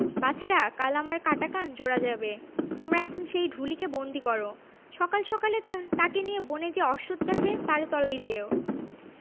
বাছারা কাল আমার কাটা কান জোড়া যাবে তোমরা এখন সেই ঢুলিকে বন্দী কর কাল সকালে তাকে নিয়ে বনে যে অশ্বখ গাছে তারই তলায় যেও